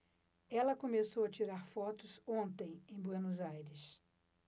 ela começou a tirar fotos ontem em buenos aires